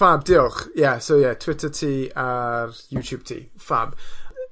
Ffab. Diolch. Ie, so ie Twitter ti a'r YouTube ti ffab.